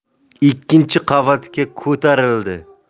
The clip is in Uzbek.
ikkinchi qavatga ko'tarildi